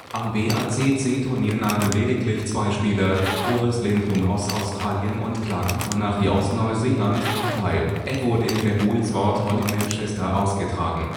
Am BACC-Turnier nahmen lediglich zwei Spieler (Horace Lindrum aus Australien und Clark McConachy aus Neuseeland) teil. Es wurde in der Houldsworth Hall in Manchester ausgetragen